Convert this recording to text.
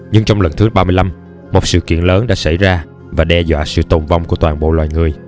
nhưng trong lần thứ một sự kiện lớn đã xảy ra và đe dọa sự tồn vong của toàn bộ loài người